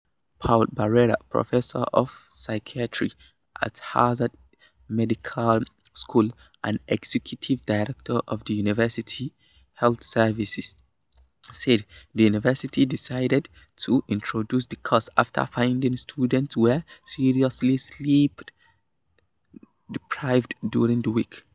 Paul Barreira, professor of psychiatry at Harvard Medical School and executive director of the university's health services, said the university decided to introduce the course after finding students were seriously sleep deprived during the week.